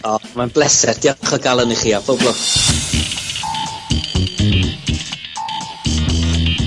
O, mae'n bleser. Diolch o galon i chi a bob lwc.